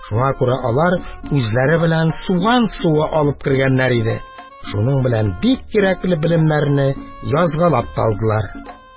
Шуңа күрә алар үзләре белән суган суы алып кергәннәр иде, шуның белән бик кирәкле белемнәрне язгалап та алдылар